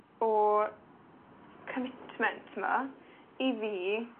o commitment 'ma i fi